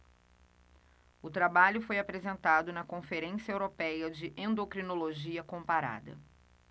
o trabalho foi apresentado na conferência européia de endocrinologia comparada